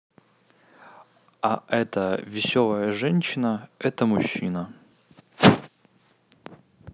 а эта веселая женщина это мужчина